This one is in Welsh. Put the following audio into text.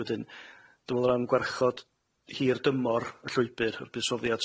wedyn dwi me'wl o ran gwarchod hir dymor y llwybyr a'r buddsoddiad